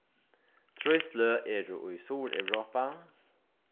trý sløg eru í suðureuropa